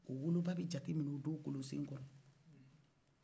o wolo ba bɛ jate minɛ o don kolon sen kɔrɔ